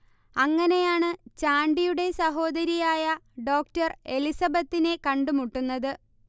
അങ്ങനെയാണ് ചാണ്ടിയുടെ സഹോദരിയായ ഡോക്ടർ എലിസബത്തിനെ കണ്ടു മുട്ടുന്നത്